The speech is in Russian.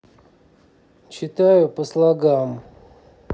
читаю по слогам